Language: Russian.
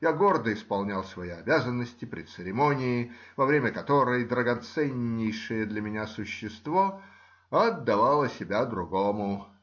Я гордо исполнял свои обязанности при церемонии, во время которой драгоценнейшее для меня существо отдавало себя другому.